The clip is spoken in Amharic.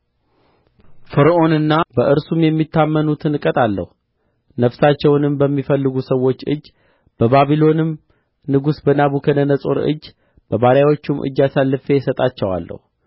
ፈርዖንና በእርሱም የሚታመኑትን እቀጣለሁ ነፍሳቸውንም በሚፈልጉ ሰዎች እጅ በባቢሎንም ንጉሥ በናቡክደነፆር እጅ በባሪያዎቹም እጅ አሳልፌ እሰጣቸዋለሁ